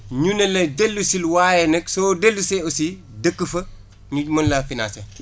ñu ne la dellusil waaye nag soo dellusee aussi dëkk fa ñu mën laa financer